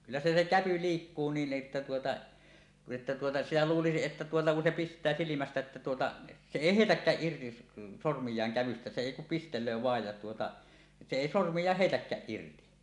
kyllä se se käpy liikkuu niin että tuota että tuota sitä luulisi että tuota kun se pistää silmästä että tuota se ei heitäkään irti sormiaan kävystä se ei kuin pistelee vain ja tuota se ei sormiaan heitäkään irti